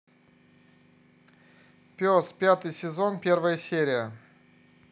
пес пятый сезон первая серия